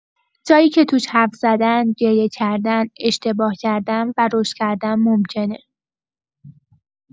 جایی که توش حرف‌زدن، گریه‌کردن، اشتباه کردن و رشد کردن ممکنه.